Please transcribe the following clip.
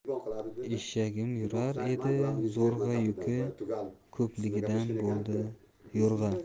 eshagim yurar edi zo'rg'a yuki ko'pligidan bo'ldi yo'rg'a